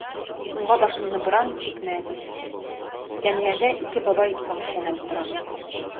Уңга башымны борам– хикмәт: эскәмиядә ике бабай сагыз чәйнәп утыра.